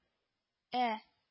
Ә